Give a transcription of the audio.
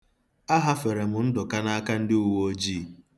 Ahafere m Ndụka n'aka ndị uweojii.